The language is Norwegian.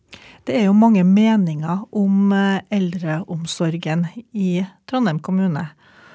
det er jo mange meninger om eldreomsorgen i Trondheim kommune.